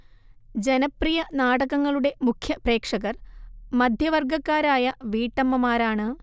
ജനപ്രിയ നാടകങ്ങളുടെ മുഖ്യ പ്രേക്ഷകർ മധ്യവർഗക്കാരായ വീട്ടമ്മമാരാണ്